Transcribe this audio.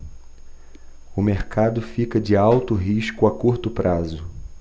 o mercado fica de alto risco a curto prazo